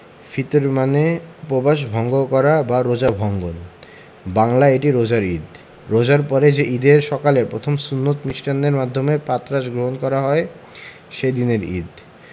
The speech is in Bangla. ফিতর মানে উপবাস ভঙ্গ করা বা রোজা ভঙ্গন বাংলায় এটি রোজার ঈদ রোজার পরে যে ঈদের সকালে প্রথম সুন্নত মিষ্টান্নের মাধ্যমে প্রাতরাশ গ্রহণ করা হয় সে দিনের ঈদ